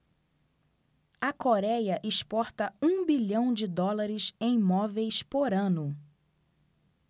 a coréia exporta um bilhão de dólares em móveis por ano